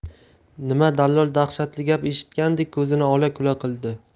nima dallol dahshatli gap eshitgandek ko'zini ola kula qildi